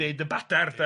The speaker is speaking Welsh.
...deud dy bader de.